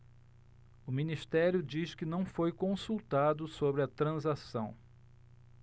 o ministério diz que não foi consultado sobre a transação